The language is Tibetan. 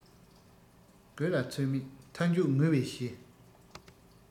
དགོད ལ ཚོད མེད མཐའ མཇུག ངུ བའི གཞི